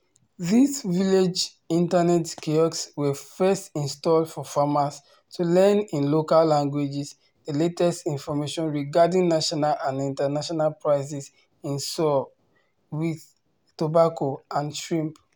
These village internet kiosks were first installed for farmers to learn in local languages the latest information regarding national and international prices in soy, wheat, tobacco and shrimp.